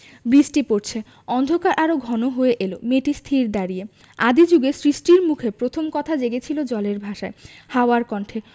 বৃষ্টি পরছে অন্ধকার আরো ঘন হয়ে এল মেয়েটি স্থির দাঁড়িয়ে আদি জুগে সৃষ্টির মুখে প্রথম কথা জেগেছিল জলের ভাষায় হাওয়ার কণ্ঠে